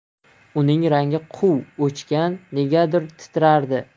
uning rangi quv o'chgan negadir titrardi